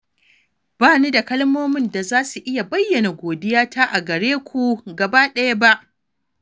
Ba ni da kalmomin da za su iya bayyana godiyata a gare ku gaba ɗaya ba.